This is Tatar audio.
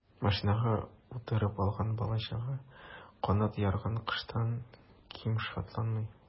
Машинага утырып алган бала-чага канат ярган коштан ким шатланмый.